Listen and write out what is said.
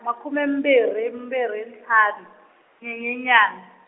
makhume mbirhi mbirhi ntlhanu, Nyenyenyani.